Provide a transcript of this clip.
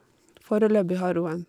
Foreløpig har hun en...